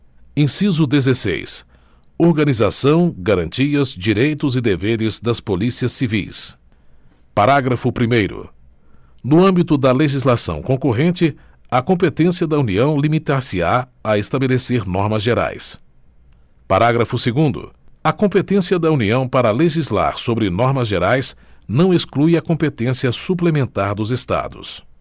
inciso dezesseis organização garantias direitos e deveres das polícias civis parágrafo primeiro no âmbito da legislação concorrente a competência da união limitar se á a estabelecer normas gerais parágrafo segundo a competência da união para legislar sobre normas gerais não exclui a competência suplementar dos estados